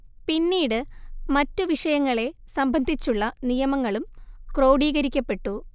പിന്നീട് മറ്റു വിഷയങ്ങളെ സംബന്ധിച്ചുള്ള നിയമങ്ങളും ക്രോഡീകരിക്കപ്പെട്ടു